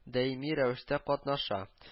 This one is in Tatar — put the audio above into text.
Даими рәвештә катнаша